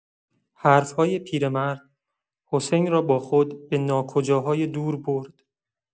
حرف‌های پیرمرد، حسین را با خود به ناکجاهای دور برد.